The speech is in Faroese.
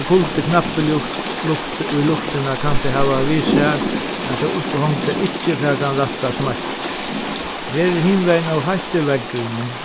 kuldi í luftina kann tað við sær at tað upphongda ikki fær tann rætta smakkin verður hinvegin ov heitt í veðrinum